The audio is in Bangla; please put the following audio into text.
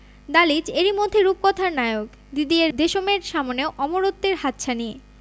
দালিচ এরই মধ্যে রূপকথার নায়ক দিদিয়ের দেশমের সামনেও অমরত্বের হাতছানি